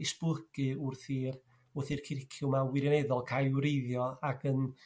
esbulgu wrth i'r wrth i'r cwricilwm 'ma wirioneddol cael 'i wreiddio ac yn